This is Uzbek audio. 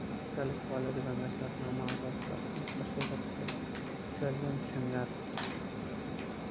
xo'jalik faoliyatidan va shartnoma asosida xizmatlar ko'rsatishdan tushadigan tushumlar